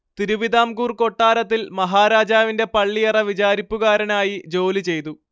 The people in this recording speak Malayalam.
തിരുവിതാംകൂർ കൊട്ടാരത്തിൽ മഹാരാജാവിന്റെ പള്ളിയറ വിചാരിപ്പുകാരനായി ജോലി ചെയ്തു